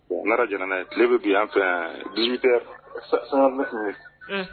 N nana jamana tile bɛ bi an fɛ bi tɛ sanme